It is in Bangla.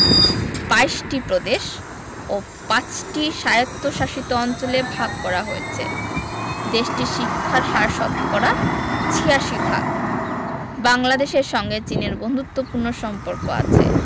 ২২ টি প্রদেশ ও ৫ টি স্বায়ত্তশাসিত অঞ্চলে ভাগ করা হয়েছে দেশটির শিক্ষার হার শতকরা ৮৬ ভাগ বাংলাদেশের সঙ্গে চীনের বন্ধুত্বপূর্ণ সম্পর্ক আছে